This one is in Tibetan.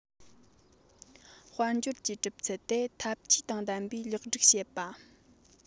དཔལ འབྱོར གྱི གྲུབ ཚུལ དེ འཐབ ཇུས དང ལྡན པའི ལེགས སྒྲིག བྱས པ